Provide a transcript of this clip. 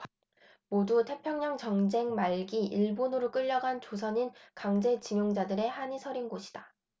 모두 태평양전쟁 말기 일본으로 끌려간 조선인 강제징용자들의 한이 서린 곳이다